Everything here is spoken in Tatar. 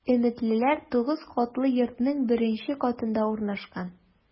“өметлеләр” 9 катлы йортның беренче катында урнашкан.